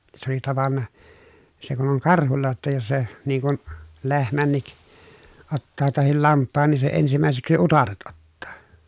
se oli tavannut se kun on karhulla jotta jos se niin kuin lehmänkin ottaa tai lampaan niin se ensimmäiseksi utareet ottaa